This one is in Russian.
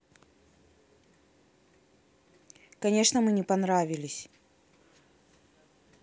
конечно мы не понравились